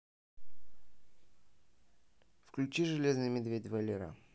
включи желейный медведь валера